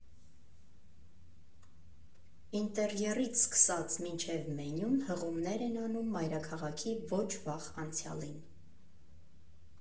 Ինտերիերից սկսած մինչև մենյուն հղումներ են անում մայրաքաղաքի ոչ վաղ անցյալին։